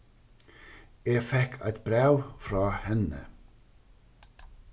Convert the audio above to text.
eg fekk eitt bræv frá henni